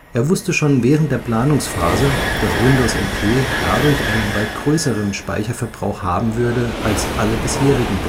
Er wusste schon während der Planungsphase, dass Windows NT dadurch einen weit größeren Speicherverbrauch haben würde als alle bisherigen